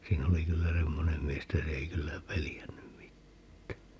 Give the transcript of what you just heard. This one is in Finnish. siinä oli kyllä semmoinen mies että se ei kyllä pelännyt mitään